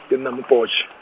ke nna mo Potch.